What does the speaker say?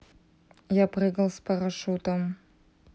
я прыгал с парашютом